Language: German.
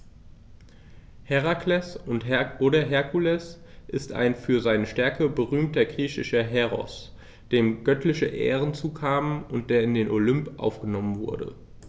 Herakles oder Herkules ist ein für seine Stärke berühmter griechischer Heros, dem göttliche Ehren zukamen und der in den Olymp aufgenommen wurde.